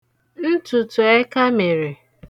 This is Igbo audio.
ntụ̀tụ̀ẹkamèrè